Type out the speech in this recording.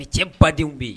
Bi cɛ badenw bɛ yen